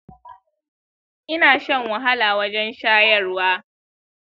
ina shan wahala wajen shayarwa